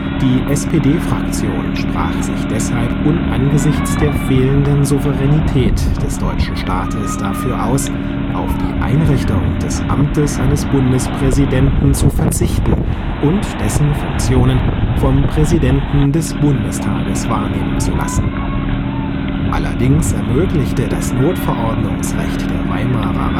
Die SPD-Fraktion sprach sich deshalb und angesichts der fehlenden Souveränität des deutschen Staates dafür aus, auf die Einrichtung des Amtes eines Bundespräsidenten zu verzichten und dessen Funktionen vom Präsidenten des Bundestags wahrnehmen zu lassen. Allerdings ermöglichte das Notverordnungsrecht der Weimarer